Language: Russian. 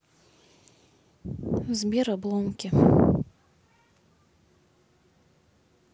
сбер обломки